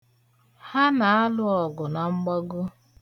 Ha na-alụ ọgụ na mgbago.